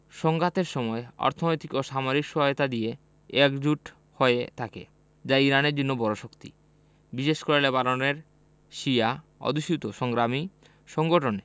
সংঘাতের সময় আর্থিক ও সামরিক সহায়তা দিয়ে একজোট হয়ে থাকে যা ইরানের জন্য বড় শক্তি বিশেষ করে লেবাননের শিয়া অধ্যুষিত সংগ্রামী সংগঠন